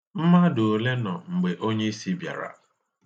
Mmadụ ole nọ mgbe Onyeisi bịara?